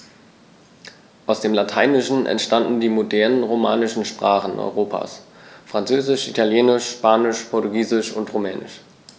Aus dem Lateinischen entstanden die modernen „romanischen“ Sprachen Europas: Französisch, Italienisch, Spanisch, Portugiesisch und Rumänisch.